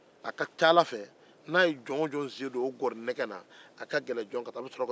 a ka ca ala fɛ n'a yejɔn o jɔn don o nɛgɛ la o jɔn tɛ taa tuguni